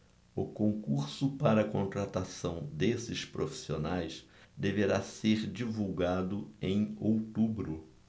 o concurso para contratação desses profissionais deverá ser divulgado em outubro